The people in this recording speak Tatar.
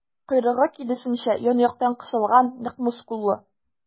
Койрыгы, киресенчә, ян-яктан кысылган, нык мускуллы.